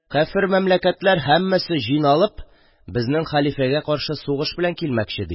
Яфер мәмләкәтләр һәммәсе җыйналып безнең хәлифәгә каршы сугыш белән килмәкче ди.